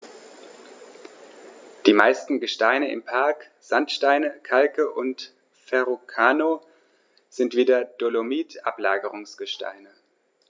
Die meisten Gesteine im Park – Sandsteine, Kalke und Verrucano – sind wie der Dolomit Ablagerungsgesteine.